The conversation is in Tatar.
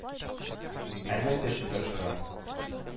Ә нәрсә өчен тырышырга?